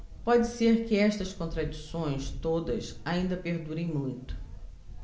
pode ser que estas contradições todas ainda perdurem muito